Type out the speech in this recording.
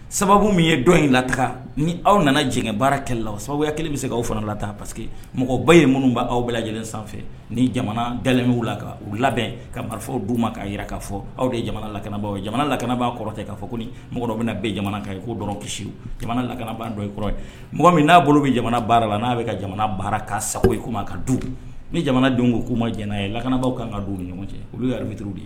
Sababu min ye dɔn in la taga ni aw nana jɛ baara kɛlɛ la sababuya kelen bɛ se aw fana la taa paseke que mɔgɔba ye minnuba aw bɛɛ lajɛlen sanfɛ ni jamana dalenw la ka u labɛn ka marifaw du ma k'a jira k'a fɔ aw de ye jamana lakanabaga ye jamana lakanaba kɔrɔ k'a fɔ ko ni mɔgɔ bɛna bɛ jamana kan k'o dɔn kisi jamana lakanabaa dɔ kɔrɔ ye mɔgɔ min n'a bolo bɛ jamana baara la n'a bɛ ka jamana baara ka sago kuma ka du ni jamanadenw ko kuma ma jɛnɛ ye lakanabaa ka kan ka du u ni ɲɔgɔn cɛ olu ye arabituru de